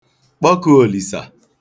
kpọku Òlìsà